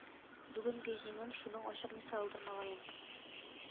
Бүгенге җиңүем шуның ачык мисалыдыр, мөгаен